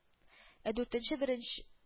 Ә дүртенче беренч